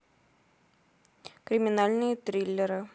криминальные триллеры